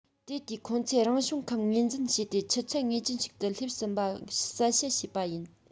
དེ དུས ཁོང ཚོས རང བྱུང ཁམས ངོས འཛིན བྱས ཏེ ཆུ ཚད ངེས ཅན ཞིག ཏུ སླེབས ཟིན པ གསལ བཤད བྱས པ ཡིན